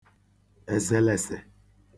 èsèlèsè